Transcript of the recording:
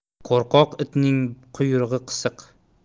qo'rqoq itning quyrug'i qisiq